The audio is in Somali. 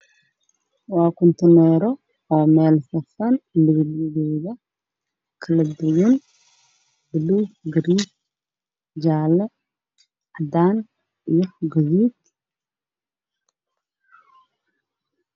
Waa kuntu eero meel safan buluug cadaan iyo jaale iyo guduud ah